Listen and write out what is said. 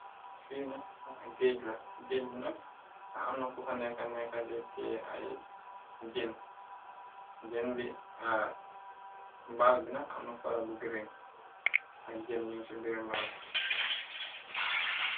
Aja gaej bi nag amna kofaneekanekadete ay jen jen bi baal bina amna fola bu grin ak jënn ñu ci biir mbaal bi.